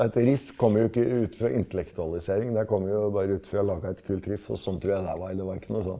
et riff kommer jo ikke ut fra intellektualisering, det kommer jo bare ut fra å lage et kult riff og sånn tror jeg det var, det var ikke noe sånn.